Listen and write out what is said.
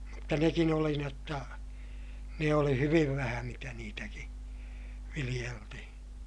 mutta nekin oli niin jotta ne oli hyvin vähän mitä niitäkin viljeltiin